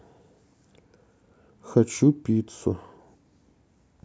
хочу пиццу